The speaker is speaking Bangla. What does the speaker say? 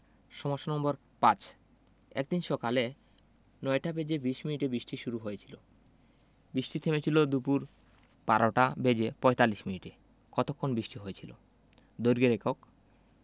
সমস্যা নম্বর ৫ একদিন সকালে ৯টা বেজে ২০ মিনিটে বৃষ্টি শুরু হয়েছিল বৃষ্টি থেমেছিল দুপুর ১২টা বেজে ৪৫ মিনিটে কতক্ষণ বৃষ্টি হয়েছিল দৈর্ঘ্যের এককঃ